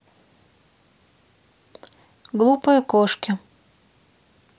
глупые кошки